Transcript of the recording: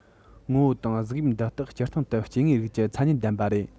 ངོ བོ དང གཟུགས དབྱིབས འདི དག སྤྱིར བཏང དུ སྐྱེ དངོས རིགས ཀྱི མཚན ཉིད ལྡན པ རེད